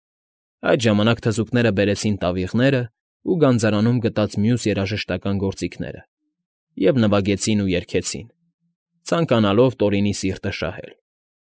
Այդ ժամանակ թզուկները բերեցին տավիղներն ու գանձարանում գտած մյուս երաժշտական գործիքները և նվագեցին ու երգեցին, ցանկանալով Տորինի սիրտը շահել։